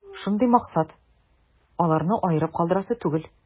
Шундый максат: аларны аерып калдырасы түгел.